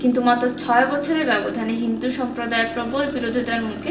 কিন্তু মাত্র ছয় বছরের ব্যবধানে হিন্দু সম্প্রদায়ের প্রবল বিরোধিতার মুকে